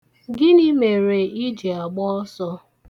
Gịnị mere ị ji agba ọsọ?